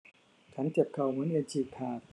ฉันเจ็บเข่าเหมือนเอ็นฉีกขาด